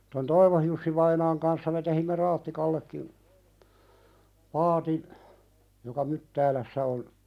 tuon Toivon Jussi-vainaan kanssa me teimme Raattikallekin paatin joka Myttäälässä on